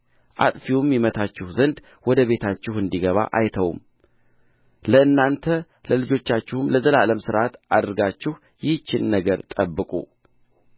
አጥፊውም ይመታችሁ ዘንድ ወደ ቤታችሁ እንዲገባ አይተውም ለእናንተ ለልጆቻችሁም ለዘላለም ሥርዓት አድርጋችሁ ይህችን ነገር ጠብቁ